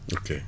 ok